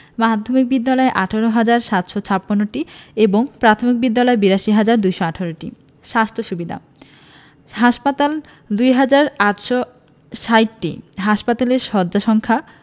মাধ্যমিক বিদ্যালয় ১৮হাজার ৭৫৬টি এবং প্রাথমিক বিদ্যালয় ৮২হাজার ২১৮টি স্বাস্থ্য সুবিধাঃ হাসপাতাল ২হাজার ৮৬০টি হাসপাতালের শয্যা সংখ্যা